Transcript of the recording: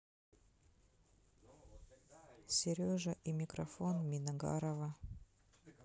сережа и микрофон миногарова